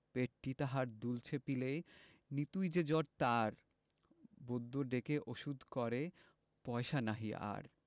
পেটটি তাহার দুলছে পিলেয় নিতুই যে জ্বর তার বৈদ্য ডেকে ওষুধ করে পয়সা নাহি আর